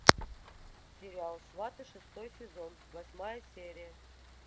сериал сваты шестой сезон восьмая серия